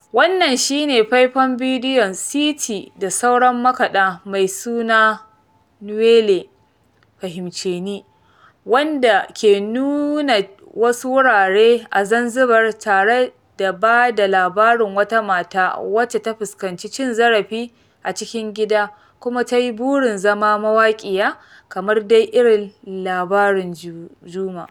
Wannan shi ne faifan bidiyon Siti da sauran makaɗa mai suna "Niewele" ("Fahimce Ni") wanda ke nuna wasu wurare a Zanzibar tare da ba da labarin wata mata wacce ta fuskanci cin zarafi a cikin gida kuma ta yi burin zama mawaƙiya, kamar dai irin labarin Juma.